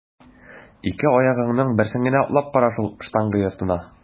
Ике аягыңның берсен генә атлап кара шул штанга йортына!